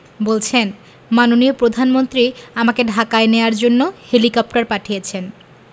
বলছেন মাননীয় প্রধানমন্ত্রী আমাকে ঢাকায় নেওয়ার জন্য হেলিকপ্টার পাঠিয়েছেন